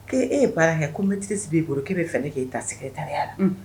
E e ye baara kɛ kotigisi b' e bolo k ee bɛ fɛ ne k' ei ta sigi e taya la